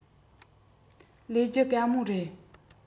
ལས རྒྱུ དཀའ མོ རེད